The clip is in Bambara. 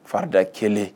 Fa da kelen